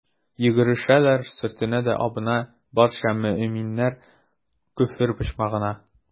Йөгерешәләр, сөртенә дә абына, барча мөэминнәр «Көфер почмагы»на.